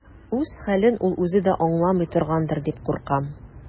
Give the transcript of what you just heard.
Үз хәлен ул үзе дә аңламый торгандыр дип куркам.